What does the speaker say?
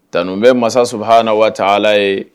Tanun bɛ mansa su h na waa ca ala ye